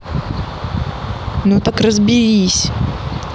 ну так разберись